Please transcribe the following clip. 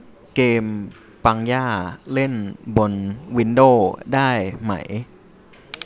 เกมปังย่าเล่นบนวินโด้ได้ไหม